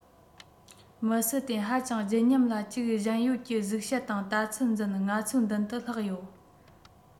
མི སྲིད དེ ཧ ཅང བརྗིད ཉམས ལ གཅིག གཞན ཡོད ཀྱི གཟུགས བྱད དང ལྟ ཚུལ འཛིན ང ཚོའི མདུན དུ ལྷགས ཡོད